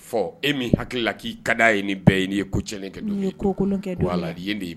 Fɔ e min hakilila k'i ka' ye ni bɛɛ ye n' ye ko cɛ kɛ ye ko don a ye de